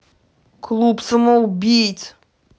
клуб самоубийц